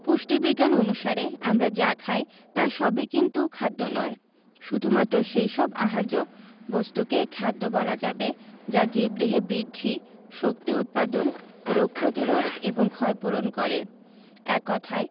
পুষ্টিবিজ্ঞান অনুসারে আমরা যা খাই তার সবই কিন্তু খাদ্য নয় শুধুমাত্র সেই সব আহার্য বস্তুকেই খাদ্য বলা যাবে যা জীবদেহে বৃদ্ধি শক্তি উৎপাদন রোগ প্রতিরোধ এবং ক্ষয়পূরণ করে এক কথায়